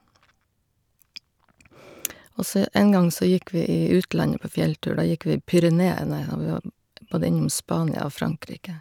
Og så en gang så gikk vi i utlandet på fjelltur, da gikk vi i Pyreneene, og vi var både innom Spania og Frankrike.